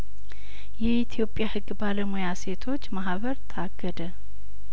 የኢትዮጵያ ህግ ባለሙያሴቶች ማህበር ታገደ